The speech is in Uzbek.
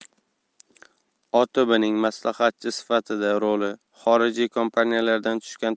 otbning maslahatchi sifatidagi roli xorijiy kompaniyalardan tushgan